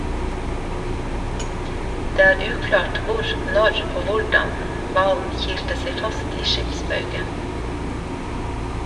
Det er uklart hvor, når og hvordan hvalen kilte seg fast i skipsbaugen.